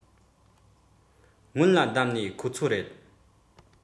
འགག སྒོ དམ སྲུང བྱ དགོས ཁོ ཐག རེད